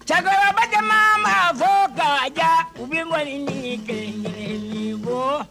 Cɛkɔrɔbabakɛ mama ma fo ka diya u bɛ bɔ nin gɛnli bɔ